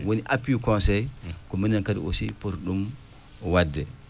woni appui conseil ko minen kadi aussi poti ɗum waɗde